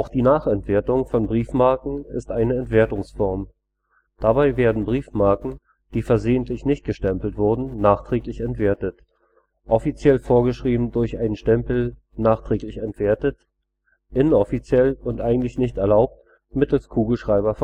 die Nachentwertung von Briefmarken ist eine Entwertungsform. Dabei werden Briefmarken, die versehentlich nicht gestempelt wurden, nachträglich entwertet; offiziell vorgeschrieben durch einen Stempel „ Nachträglich entwertet “, inoffiziell und eigentlich nicht erlaubt mittels Kugelschreiber